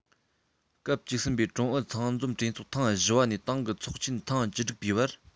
སྐབས བཅུ གསུམ པའི ཀྲུང ཨུ ཚང འཛོམས གྲོས ཚོགས ཐེངས བཞི པ ནས ཏང གི ཚོགས ཆེན ཐེངས བཅུ དྲུག པའི བར